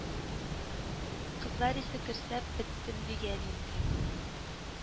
Кызлар исе керсә беттем диген инде